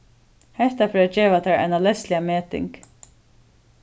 hetta fer at geva tær eina leysliga meting